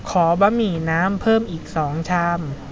ขอบะหมี่น้ำเพิ่มอีกสองชาม